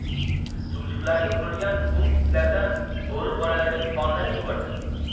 tumshuqlariga urilgan bu islardan bo'ri bolalarining qonlari ko'pirdi